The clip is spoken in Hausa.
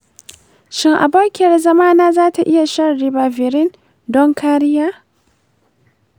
shin abokiyar zamana zata iya shan ribavirin don kariya?